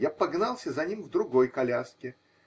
Я погнался за ним в другой коляске.